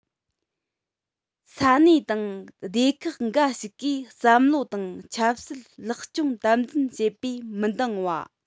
ས གནས དང སྡེ ཁག འགའ ཞིག གིས བསམ བློ དང ཆབ སྲིད ལེགས སྐྱོང དམ འཛིན བྱེད པས མི འདང བ